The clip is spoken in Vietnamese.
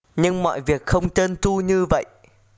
nhưng mọi việc không trơn tru như vậy